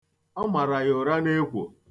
Ọ mara ya ụra n'ekwo.